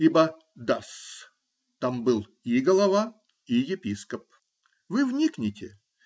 Ибо да-с, там был и голова, и епископ. Вы вникните!